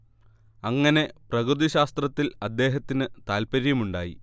അങ്ങനെ പ്രകൃതി ശാസ്ത്രത്തിൽ അദ്ദേഹത്തിന് താല്പര്യമുണ്ടായി